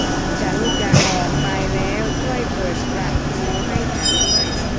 ฉันจะออกไปแล้วช่วยเปิดประตูให้ฉันด้วย